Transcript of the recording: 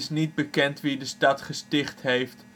niet bekend wie de stad gesticht heeft